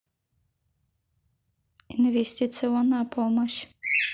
инвестиционная помощь